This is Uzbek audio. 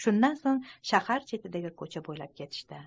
shundan so'ng shahar chetidagi ko'cha bo'ylab ketishdi